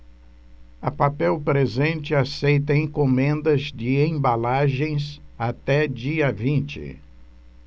a papel presente aceita encomendas de embalagens até dia vinte